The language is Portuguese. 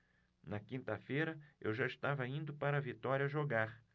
na quinta-feira eu já estava indo para vitória jogar